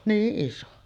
niin iso